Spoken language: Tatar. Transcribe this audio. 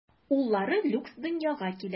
Уллары Люкс дөньяга килә.